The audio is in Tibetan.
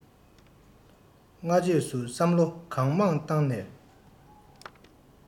སྔ རྗེས སུ བསམ བློ གང མང བཏང ནས